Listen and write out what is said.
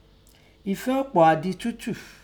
Ẹ̀fẹ́ ọ̀pọ̀ áá dẹ tutu.